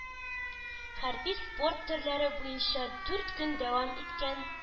Хәрби-спорт төрләре буенча дүрт көн дәвам иткән